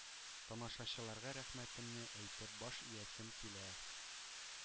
Тамашачыларга рәхмәтемне әйтеп баш иясем килә.